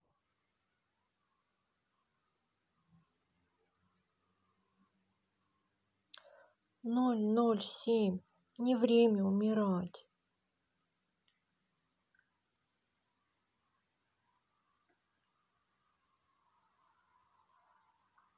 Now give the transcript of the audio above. ноль ноль семь не время умирать